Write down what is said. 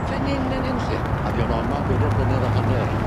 Fyn hyn yn Hynlle? Ie. A fuon nw orma am beder mlynedd a hanner.